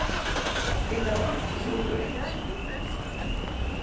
vit hava einki sukur eftir